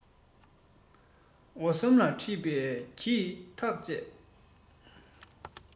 འོ ཟོམ ལ དཀྲིས པའི སྒྱིད ཐག བཅས